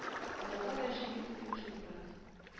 Аларга да җиңел түгел шул брат